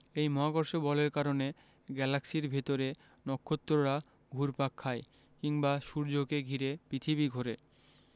এই মহাকর্ষ বলের কারণে গ্যালাক্সির ভেতরে নক্ষত্ররা ঘুরপাক খায় কিংবা সূর্যকে ঘিরে পৃথিবী ঘোরে